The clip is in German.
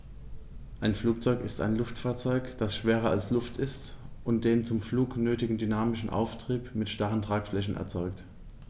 Ein Flugzeug ist ein Luftfahrzeug, das schwerer als Luft ist und den zum Flug nötigen dynamischen Auftrieb mit starren Tragflächen erzeugt.